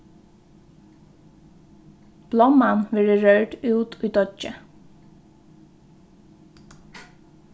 blomman verður rørd út í deiggið